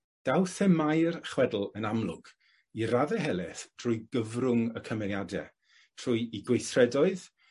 Daw themâu'r chwedl yn amlwg i radde heleth trwy gyfrwng y cymeriade trwy 'u gweithredoedd